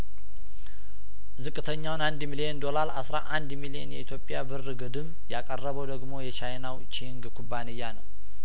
ዝቅተኛውን አንድ ሚሊየን ዶላር አስራ አንድ ሚሊየን የኢትዮጵያ ብር ግድም ያቀረበው ደግሞ የቻይናው ቼይንግ ኩባንያ ነው